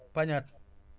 Pagnate